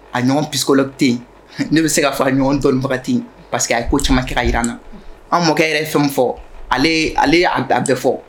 A ɲɔgɔn pkɔ tɛ yen ne bɛ se ka fara ɲɔgɔn dɔnnibagati pa que a ye ko caman kira jiraranna an mɔkɛ yɛrɛ fɛn fɔ ale a danbe bɛ fɔ